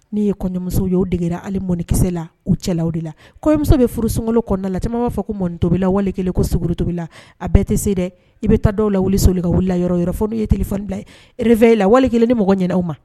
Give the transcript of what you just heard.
N'i ye kɔɲɔmuso y ye o degera ali mɔnikisɛ la u cɛla de la kɔmuso bɛ furu sunkolon kɔnɔna la camanma b'a fɔ ko mɔnɔni tobilila wali kelen ko sro tobilila a bɛɛ tɛ se dɛ i bɛ taa dɔw la wiliso ka wili yɔrɔ yɔrɔ fɔ n'u yeelilirin fila ye refɛ e la wali kelen ni mɔgɔ ɲɛna aw ma